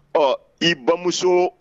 Ɔ i bamuso